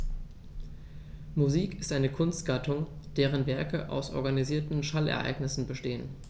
Musik ist eine Kunstgattung, deren Werke aus organisierten Schallereignissen bestehen.